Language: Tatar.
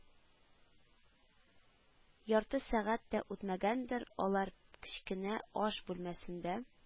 Ярты сәгать тә үтмәгәндер, алар кечкенә аш бүлмәсендә,